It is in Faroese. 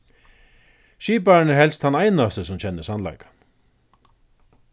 skiparin er helst tann einasti sum kennir sannleikan